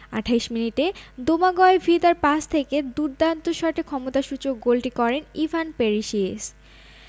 ২৮ মিনিটে দোমাগয় ভিদার পাস থেকে দুর্দান্ত শটে সমতাসূচক গোলটি করেন ইভান পেরিসিচ